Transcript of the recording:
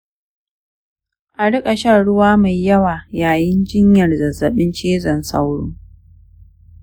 a rika shan ruwa mai yawa yayin jinyar zazzaɓin cizon sauro